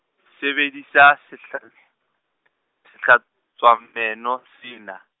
sebedisa sehla-, sehlatswa meno sena.